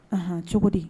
Ahan cogo di?